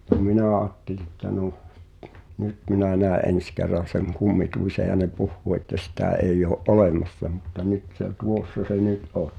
mutta minä ajattelin että no nyt minä näen ensi kerran sen kummituksen ja ne puhuu että sitä ei ole olemassa mutta nyt se tuossa se nyt on